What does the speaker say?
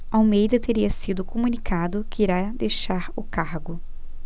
almeida teria sido comunicado que irá deixar o cargo